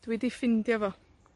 Dwi 'di ffindio fo.